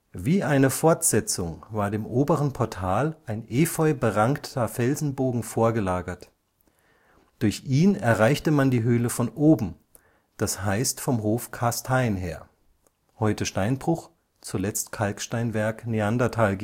Wie eine Fortsetzung war dem oberen Portal ein efeuberankter Felsenbogen vorgelagert. Durch ihn erreichte man die Höhle von oben, das heißt vom Hof Kastein her (heute Steinbruch, zuletzt Kalksteinwerk Neandertal